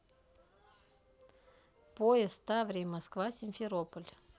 поезд таврия москва симферополь